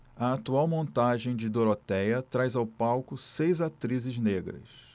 a atual montagem de dorotéia traz ao palco seis atrizes negras